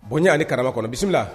Bonyaani kara kɔnɔ bisimila la